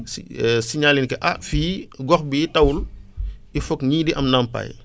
si signaler na que ah fii gox bii tawul il foog ñii di am ndàmpaay